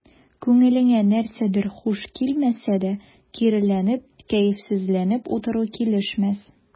Күңелеңә нәрсәдер хуш килмәсә дә, киреләнеп, кәефсезләнеп утыру килешмәс.